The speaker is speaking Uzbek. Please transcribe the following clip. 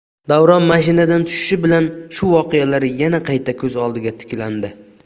davron mashinadan tushishi bilan shu voqealar yana qayta ko'z oldida tiklandi